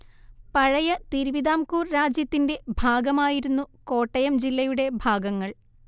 പഴയ തിരുവിതാംകൂർ രാജ്യത്തിന്റെ ഭാഗമായിരുന്നു കോട്ടയം ജില്ലയുടെ ഭാഗങ്ങൾ